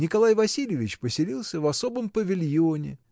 Николай Васильевич поселился в особом павильоне.